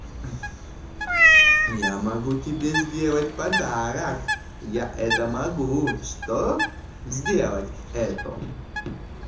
я могу тебе сделать подарок я это могу что сделать это